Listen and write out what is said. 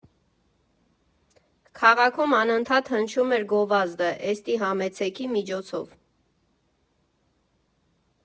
Քաղաքում անընդհատ հնչում էր գովազդը՝ «էստի համեցեքի» միջոցով։